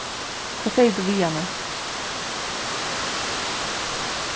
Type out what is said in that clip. hvat segði tú við hana